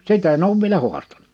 sitä en ole vielä haastanut